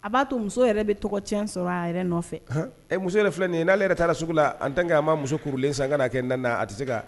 A b'a to muso yɛrɛ bɛ tɔgɔ cɛ sɔrɔ a yɛrɛ nɔfɛ ee muso filɛ nin ye n'ale yɛrɛ taa la sugu la an tan a ma muso kurulen san ka na kɛ n na a tɛ se ka